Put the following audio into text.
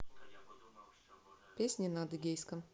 песни на адыгейском